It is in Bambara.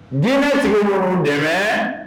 Diinɛ tigi ye sigi minnu dɛmɛ